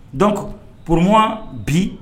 Donc pour moi bi